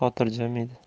oyim xotirjam edi